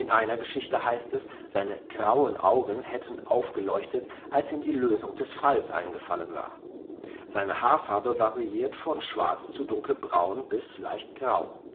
einer Geschichte heißt es, seine grauen Augen hätten aufgeleuchtet, als ihm die Lösung des Falls eingefallen war. Seine Haarfarbe variiert von Schwarz zu Dunkelbraun bis leicht Grau